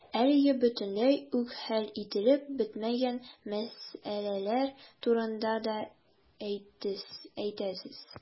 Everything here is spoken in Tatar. Әлегә бөтенләй үк хәл ителеп бетмәгән мәсьәләләр турында да әйтәсез.